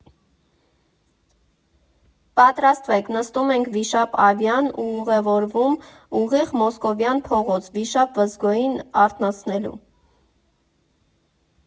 Պատրաստվեք, նստում ենք Վիշապ֊Ավիան ու ուղևորվում ուղիղ Մոսկովյան փողոց՝ վիշապ Վզգոյին արթնացնելու։